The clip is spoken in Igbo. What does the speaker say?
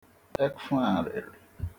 ekwfa arị̀rị̀